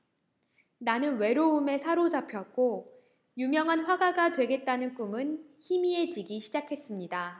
나는 외로움에 사로잡혔고 유명한 화가가 되겠다는 꿈은 희미해지기 시작했습니다